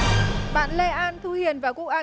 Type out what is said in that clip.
bạn lê an thu hiền và phúc an